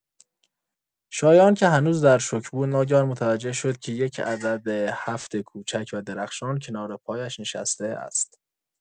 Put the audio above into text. شایان که هنوز در شوک بود، ناگهان متوجه شد که یک عدد ۷ کوچک و درخشان کنار پایش نشسته است.